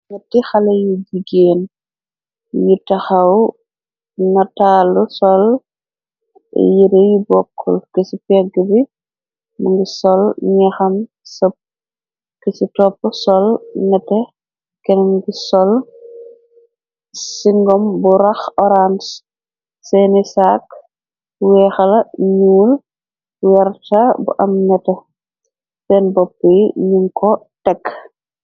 Nyetti xale yu jigéen yi taxaw nataalu sol yire y bokkul. Ki ci pegg bi mu ngi sol ñeexamse. Ki ci topp sol nete kenn mingi sol ci ngom bu rax orange. Seeni saak weexala, ñuul, werta bu am nete. Senn bopp yi nun ko tekk.